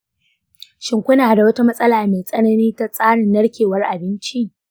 shin kuna da wata matsala mai tsanani ta tsarin narkewar abinci?